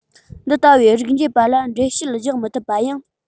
འདི ལྟ བུའི རིགས འབྱེད པ ལ འགྲེལ བཤད རྒྱག མི ཐུབ པ ཡིན